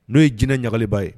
N'o ye jinɛ Ɲagaliba ye.